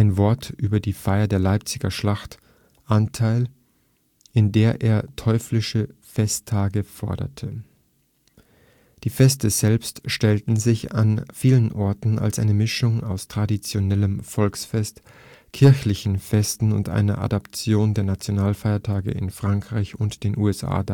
Wort über die Feier der Leipziger Schlacht Anteil, in der er „ teutsche Festtage “forderte. Die Feste selbst stellten sich an vielen Orten als eine Mischung aus traditionellem Volksfest, kirchlichen Festen und einer Adaption der Nationalfeiertage in Frankreich und den USA